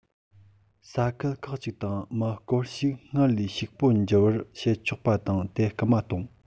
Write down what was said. ས ཁུལ ཁག ཅིག དང མི སྐོར ཞིག སྔོན ལ ཕྱུག པོར འགྱུར བར བྱས ཆོག པ དང དེར སྐུལ མ གཏོང